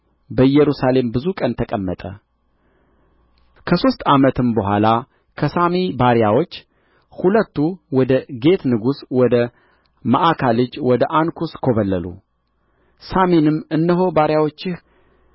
በኢየሩሳሌም ብዙ ቀን ተቀመጠ ከሦስት ዓመትም በኋላ ከሳሚ ባሪያዎች ሁለቱ ወደ ጌት ንጉሥ ወደ መዓካ ልጅ ወደ አንኩስ ኰበለሉ ሳሚንም እነሆ ባሪያዎችህ